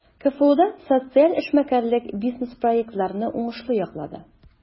КФУда социаль эшмәкәрләр бизнес-проектларны уңышлы яклады.